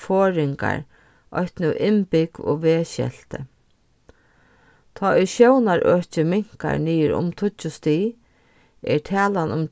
forðingar eitt nú innbúgv og vegskelti tá ið sjónarøkið minkar niður um tíggju stig er talan um